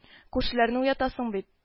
- күршеләрне уятасың бит